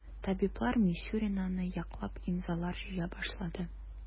Табиблар Мисюринаны яклап имзалар җыя башлады.